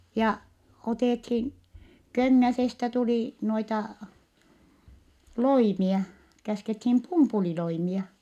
ja otettiin Köngäsestä tuli noita loimia käskettiin pumpuliloimia